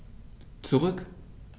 Zurück.